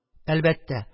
Әлбәттә